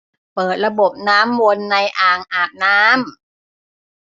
เปิดระบบน้ำวนในอ่างอาบน้ำ